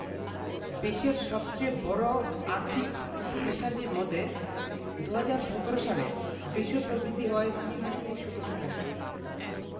বিশ্বের সবচেয়ে বড় আর্থিক প্রতিষ্ঠানটির মতে ২০১৭ সালে বিশ্ব প্রবৃদ্ধি হয় ৩.০ শতাংশ